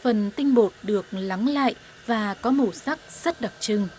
phần tinh bột được lắng lại và có màu sắc rất đặc trưng